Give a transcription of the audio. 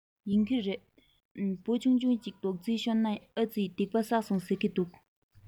ཡིན གྱི རེད འབུ ཆུང ཆུང ཅིག རྡོག རྫིས ཤོར ནའི ཨ རྩི སྡིག པ བསགས སོང ཟེར གྱི འདུག